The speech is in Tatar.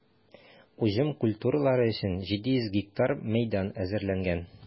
Уҗым культуралары өчен 700 га мәйдан әзерләнгән.